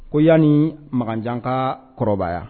Ko yanani makanjan ka kɔrɔbaya